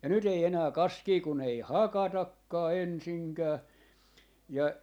ja nyt ei enää kaskea kun ei hakatakaan ensinkään ja